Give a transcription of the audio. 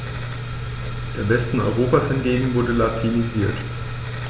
Der Westen Europas hingegen wurde latinisiert.